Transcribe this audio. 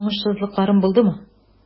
Минем уңышсызлыкларым булдымы?